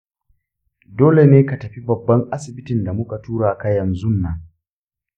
dole ne ka tafi babban asibitin da muka tura ka yanzu nan.